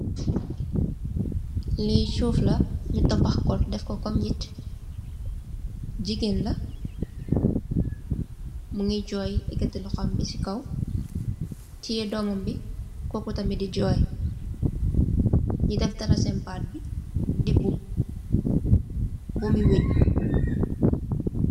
Li suuf la ñi tabax ko dèf ko kom nit, jigeen la mugii joy yekati loxom bi ci kaw, teyeh dóómam bi koku tamid di joy. Ñi def dara sèèn bat bi di bum.